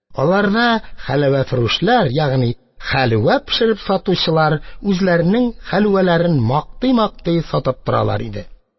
Аларда хәлвәфрүшләр, ягъни хәлвә пешереп сатучылар, үзләренең хәлвәләрен мактый-мактый сатып торалар иде.